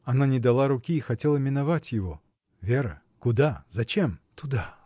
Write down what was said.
Она не дала руки и хотела миновать его. — Вера: куда, зачем? — Туда.